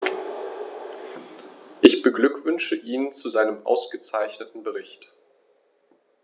Ich beglückwünsche ihn zu seinem ausgezeichneten Bericht.